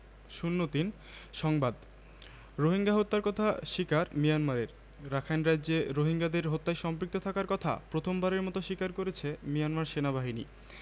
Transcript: তবে জাতিসংঘের মানবাধিকারবিষয়ক দপ্তরের প্রধান যায়িদ রাদ আল হোসেইন রোহিঙ্গাদের ওপর গণহত্যার আশঙ্কা করেছেন